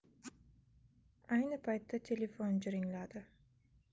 ayni paytda telefon jiringladi